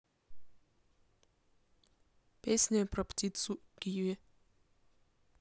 песня про птицу киви